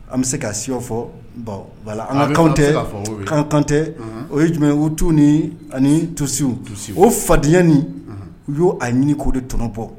An bɛ se ka siyaw fɔ bon voilà an ka kanw tɛ kan kan tɛ unhun o ye jumɛn ye o ye tu nii ani tusiw tusiw o fadenya nin unhun u y'o a ɲini k'o de tɔnɔ bɔ